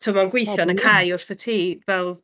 Tibod mae'n gweithio... ...yn y cae wrth y tŷ, fel.